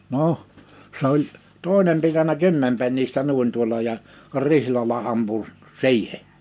no se oli toinen pitänyt kymmenpennistä niin tuolla ja rihlalla ampui siihen